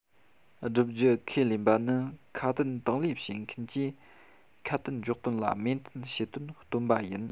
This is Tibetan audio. བསྒྲུབ རྒྱུ ཁས ལེན པ ནི ཁ དན དང ལེན བྱེད མཁན གྱིས ཁ དན འཇོག དོན ལ མོས མཐུན བྱེད དོན སྟོན པ ཡིན